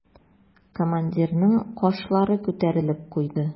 Командирның кашлары күтәрелеп куйды.